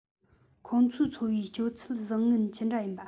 ཁོང ཚོའི འཚོ བའི སྤྱོད ཚུལ བཟང ངན ཇི འདྲ ཡིན པ